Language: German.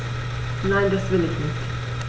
Nein, das will ich nicht.